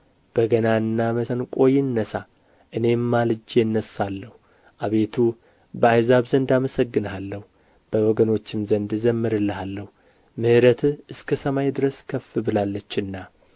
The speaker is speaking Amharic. በገናና መሰንቆም ይነሡ እኔም ማልጄ እነሣለሁ አቤቱ በአሕዛብ ዘንድ አመሰግንሃለሁ በወገኖችም ዘንድ እዘምርልሃለሁ ምሕረትህ እስከ ሰማይ ድረስ ከፍ ብላለችና